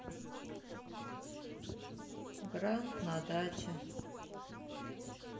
гранд на даче